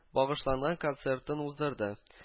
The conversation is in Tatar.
Багышланган концертын уздырды